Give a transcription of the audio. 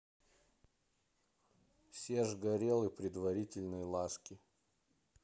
серж горелый предварительные ласки